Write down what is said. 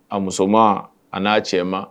A musoman a n'a cɛ ma